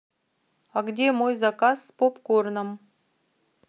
а где мой заказ с попкорном